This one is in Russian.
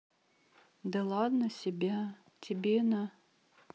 да ладно себя тебе на